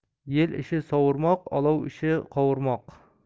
yel ishi sovurmoq olov ishi qovurmoq